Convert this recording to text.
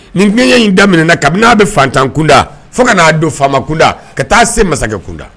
Nin kunya in damin kabini n'a bɛ fantan kunda fo ka n'a don fan kunda ka taa se masakɛ kunda